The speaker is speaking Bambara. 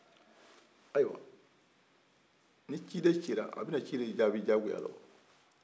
ayiwa ni ci den cira a bina ci de jaabi jakosa la